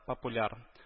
Популяр